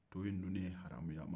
to in dunni ye haramu ye aw man